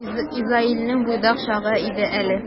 Изаилнең буйдак чагы иде әле.